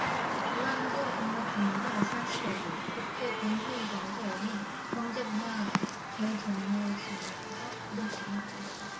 이완구 국무총리가 지난 십 오 일 국회 본회의장에서 열린 경제분야 대정부질문에서 굳은 표정을 하고 있다